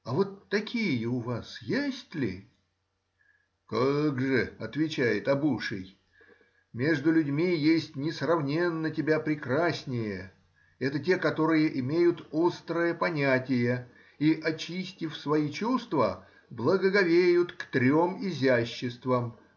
А вот такие у вас есть ли?—Как же,— отвечает обуший,— между людьми есть несравненно тебя прекраснее, это те, которые имеют острое понятие и, очистив свои чувства, благоговеют к трем изяществам